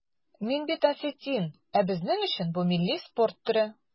Мин бит осетин, ә безнең өчен бу милли спорт төре.